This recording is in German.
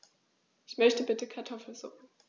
Ich möchte bitte Kartoffelsuppe.